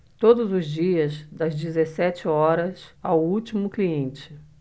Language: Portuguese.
todos os dias das dezessete horas ao último cliente